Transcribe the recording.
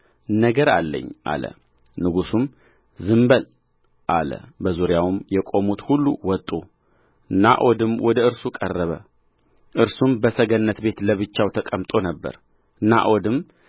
ነገር አለኝ አለ ንጉሡም ዝም በል አለ በዙሪያውም የቆሙት ሁሉ ወጡ ናዖድም ወደ እርሱ ቀረበ እርሱም በሰገነት ቤት ለብቻው ተቀምጦ ነበር ናዖድም